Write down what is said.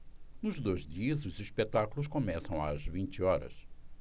nos dois dias os espetáculos começam às vinte horas